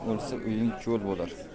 otang o'lsa uying cho'l bo'lar